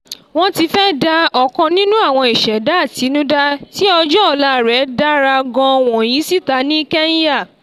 Wọ́n ti fẹ́ da ọkan nínú àwọn ìṣẹ̀dá àtinúdá tí ọjọ́ ọ̀la rẹ̀ dára gan wọ̀nyìí síta ní Kenya.